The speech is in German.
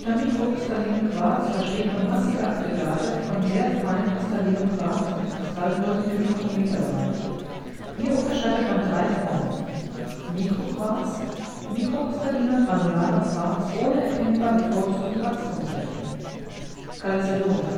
mikrokristallinem Quarz versteht man massige Aggregate von sehr feinkristallinem Quarz mit Kristallgrößen im Mikrometerbereich. Hier unterscheidet man drei Formen: Mikroquarz: mikrokristalliner, granularer Quarz ohne erkennbar bevorzugte Wachstumsrichtung Chalcedon